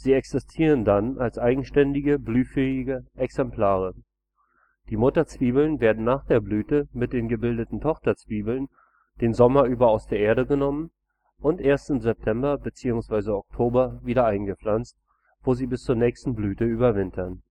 existieren dann als eigenständige blühfähige Exemplare. Die Mutterzwiebeln werden nach der Blüte mit den gebildeten Tochterzwiebeln den Sommer über aus der Erde genommen und erst im September bzw. Oktober wieder eingepflanzt, wo sie bis zur nächsten Blüte überwintern